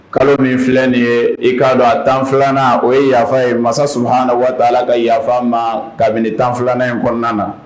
Kalo min filɛ nin ye i k'a dɔn a tanfina o ye yafa ye mansa suha na waa' la ka yafa ma kabini tanfi in kɔnɔna na